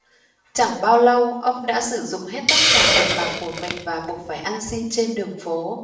chẳng bao lâu ông đã sử dụng hết tất cả tiền bạc của mình và buộc phải ăn xin trên đường phố